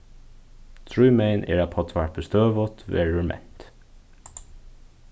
drívmegin er at poddvarpið støðugt verður ment